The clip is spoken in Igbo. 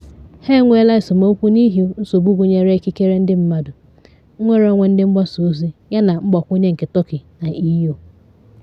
Ha enweela esemokwu n’ihi nsogbu gụnyere ikikere ndị mmadụ, nnwere onwe ndị mgbasa ozi yana mgbakwunye nke Turkey na EU.